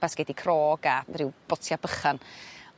basgedi crog a ryw botia' bychan.